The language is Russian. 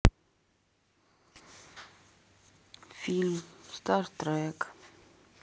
фильм стартрек